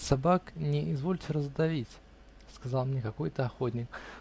-- Собак не извольте раздавить, -- сказал мне какой-то охотник.